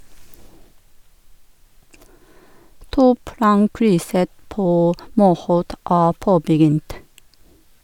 Toplankrysset på Morholt er påbegynt.